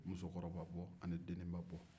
musokɔrɔbabɔ ani denibabɔ